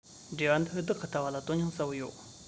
འབྲེལ བ འདི བདག གི ལྟ བ ལ དོན སྙིང གསལ པོ ཡོད